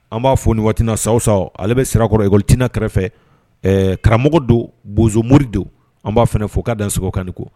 An b'a fɔ nin waatiina san o san ale bɛ sirakɔrɔ Ecole tina kɛrɛfɛ karamɔgɔ don bozomori don an b'a fana fo ka'a dasako k'ani ko.